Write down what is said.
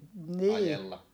niin